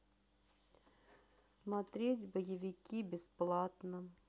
смотреть боевики бесплатно